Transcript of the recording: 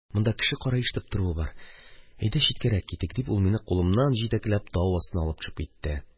Монда кеше-кара ишетеп 26 торуы бар, әйдә, читкәрәк китик, дип, ул мине, кулымнан җитәкләп, тау астына алып төшеп китте.